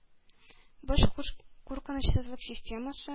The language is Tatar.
Бош куркынычсызлык системасы